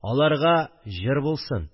Аларга җыр булсын